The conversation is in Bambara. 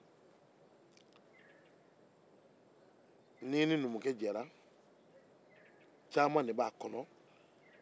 n'i ni numukɛ jɛra caman de b'a kɔnɔ